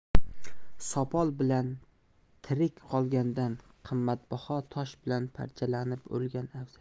sopol bilan tirik qolgandan qimmatbaho tosh bilan parchalanib o'lgan afzal